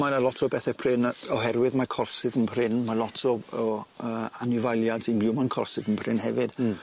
Ma' 'na lot o bethe prin yy oherwydd mae corsydd yn prin ma' lot o o yy anifeiliad sy'n byw ma'n corsydd yn prin hefyd. Hmm.